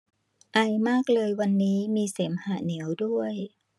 ไอมากเลยวันนี้มีเสมหะเหนียวด้วย